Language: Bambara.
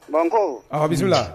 Banko ahabi la